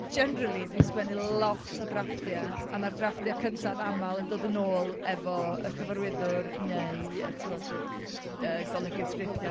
Generally dwi'n sgwennu lot o drafftiau, a mae'r drafftiau cynta’n aml yn dod yn ôl efo y cyfarwyddwr neu y ti’n gwbod yr, yy golygydd sgriptiau...